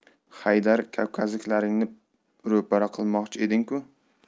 haydar kavkazliklaringni ro'para qilmoqchi eding ku